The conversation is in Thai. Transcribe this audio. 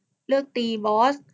เลือกตีบอส